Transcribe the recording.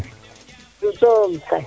im soom kay